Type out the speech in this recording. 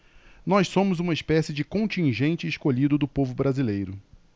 nós somos uma espécie de contingente escolhido do povo brasileiro